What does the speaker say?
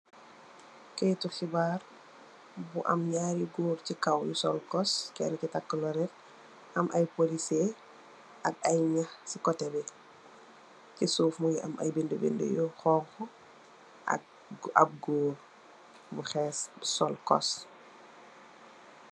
Kayito xabar bouam njari gore ci kaw njusol koos kene ki take lonete amaye polish am njax ci wetgie ci soufe mougi am aye bide binde you xonxe am gore bou xehse mousol koos